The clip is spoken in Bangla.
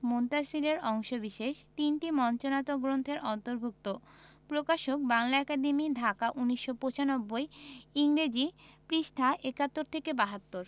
মুনতাসীর এর অংশবিশেষ তিনটি মঞ্চনাটক গ্রন্থের অন্তর্ভুক্ত প্রকাশকঃ বাংলা একাডেমী ঢাকা ১৯৯৫ ইংরেজি পৃঃ ৭১ ৭২